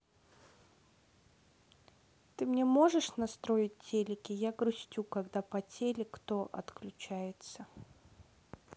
ты мне поможешь настрой телеке я грустю когда по теле кто отключается